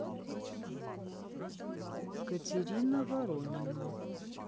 катерина воронина